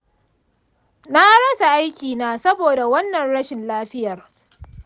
na rasa aikina saboda wannan rashin lafiyar.